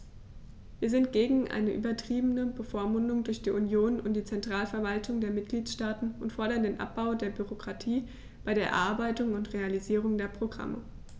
Wir sind gegen eine übertriebene Bevormundung durch die Union und die Zentralverwaltungen der Mitgliedstaaten und fordern den Abbau der Bürokratie bei der Erarbeitung und Realisierung der Programme.